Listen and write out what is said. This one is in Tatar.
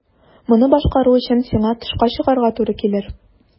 Моны башкару өчен сиңа тышка чыгарга туры килер.